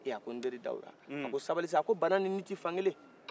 a ko n teri dawuda a ko sabali sa a ko baana ni nin tɛ fan kelen